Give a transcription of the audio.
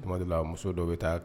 La muso dɔ bɛ taa